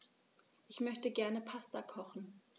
Ich möchte gerne Pasta kochen.